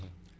voilà